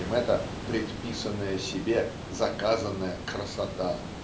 чем эта предписанная себе заказанная красота?